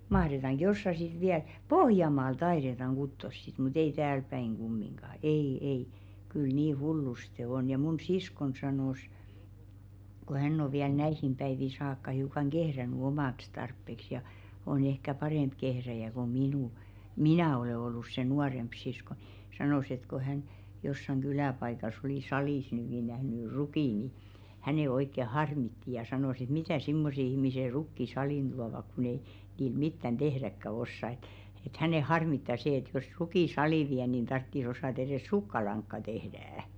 mahdetaanko jossakin sitten vielä Pohjanmaalla taidetaan kutoa sitten mutta ei täälläpäin kumminkaan ei ei kyllä niin hullusti on ja minun siskoni sanoi kun hän on vielä näihin päiviin saakka hiukan kehrännyt omaksi tarpeeksi ja on ehkä parempi kehrääjä kuin - minä olen ollut se nuorempi sisko niin sanoi että kun hän jossakin kyläpaikassa oli salissa nyt niin nähnyt rukin niin hänen oikein harmitti ja sanoi että mitä semmoiset ihmiset rukkia saliin tuovat kun ei niin mitään tehdäkään osaa että että häntä harmittaa se että jos rukin saliin vie niin tarvitsisi osata edes sukkalankaa tehdä